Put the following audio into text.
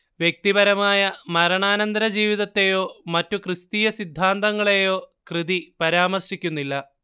വ്യക്തിപരമായ മരണാനന്തരജീവിതത്തേയോ മറ്റു ക്രിസ്തീയ സിദ്ധാന്തങ്ങളേയോ കൃതി പരാമർശിക്കുന്നില്ല